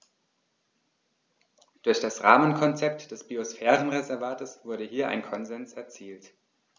Durch das Rahmenkonzept des Biosphärenreservates wurde hier ein Konsens erzielt.